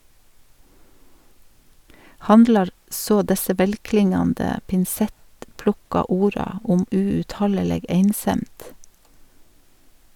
Handlar så desse velklingande, pinsettplukka orda om uuthaldeleg einsemd?